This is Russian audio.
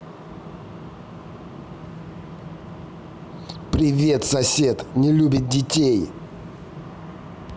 привет сосед не любит детей